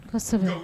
Ka kosɛbɛ